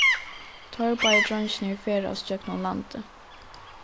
teir báðir dreingirnir ferðaðust gjøgnum landið